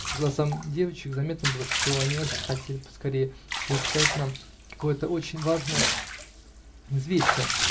По глазам девочек заметно было, что они очень хотели поскорее передать нам какое-то очень важное известие